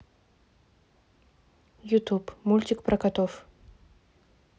ютуб мультик про котов